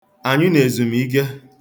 Anyị nọ ezumike.